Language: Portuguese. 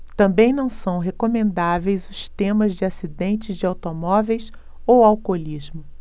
também não são recomendáveis os temas de acidentes de automóveis ou alcoolismo